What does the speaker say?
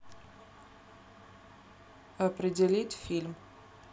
определить фильм